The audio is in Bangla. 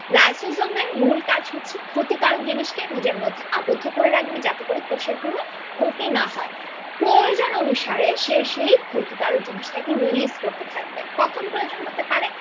লাইসোজোম এর মূল কাজ হচ্ছে ক্ষতিকারক জিনিসকে নিজের মধ্যে আবদ্ধ করে রাখবে যাতে করে কোষের কোন ক্ষতি না হয় প্রয়োজন অনুসারে সে সেই ক্ষতিকারক জিনিসটাকে রিলিজ করতে থাকবে কখন প্রয়োজন হতে পারে